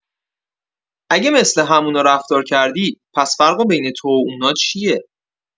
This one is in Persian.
اگه مثل همونا رفتار کردی، پس فرق بین تو و اونا چیه؟